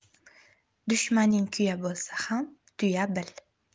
dushmaning kuya bo'lsa ham tuya bil